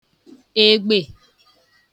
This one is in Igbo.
egbē